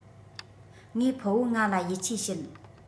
ངའི ཕུ བོ ང ལ ཡིད ཆེས བྱེད